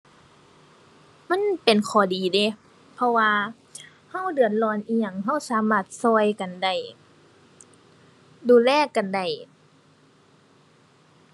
มันเป็นข้อดีเดะ เพราะว่าเราเดือดร้อนอิหยังเราสามารถเรากันได้ ดูแลกันได้